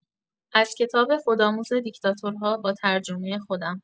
از کتاب «خودآموز دیکتاتورها» با ترجمه خودم.